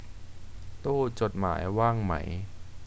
ตู้จดหมายว่างไหม